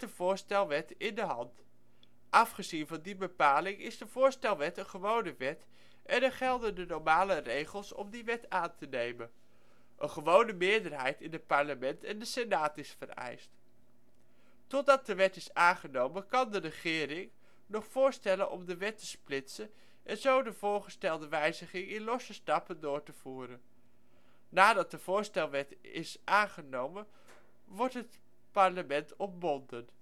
voorstelwet in de hand. Afgezien van die bepaling is de voorstelwet een gewone wet en er gelden de normale regels om die wet aan te nemen – een gewone meerderheid in het parlement en de senaat is vereist. Totdat de wet is aangenomen, kan de regering (officieel: de Koning) nog voorstellen om de wet te splitsen en zo de voorgestelde wijziging in losse stappen door te voeren. Nadat de voorstelwet is aangenomen, wordt het parlement ontbonden